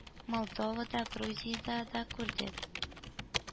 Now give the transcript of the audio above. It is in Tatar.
Молдовада, Грузиядә дә күрдек.